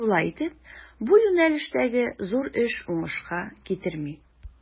Шулай итеп, бу юнәлештәге зур эш уңышка китерми.